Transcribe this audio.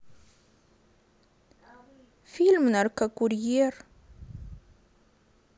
фильм наркокурьер